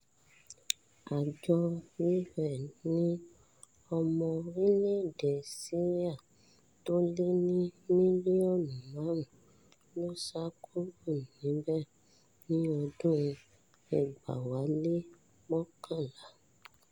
Àjọ UN ní ọmọ orílẹ̀-èdè Syria tó lé ni mílíọ́nù 5 ló sá kúrò níbẹ̀ ní ọdún 2011.